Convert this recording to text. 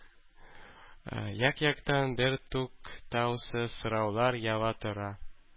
Як-яктан бертуктаусыз сораулар ява тора.